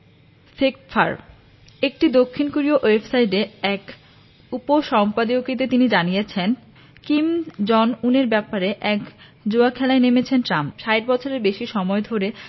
Feffer একটি দক্ষিণ কোরীয় ওয়েবসাইটে এক উপসম্পাদকীয়তে তিনি জানিয়েছেন কিম জং উনের ব্যাপারে এক জুয়া খেলায় নেমেছেন ট্রাম্প ৬০ বছরের বেশি সময় ধরে